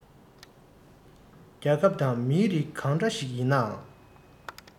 རྒྱལ ཁབ དང མི རིགས གང འདྲ ཞིག ཡིན ནའང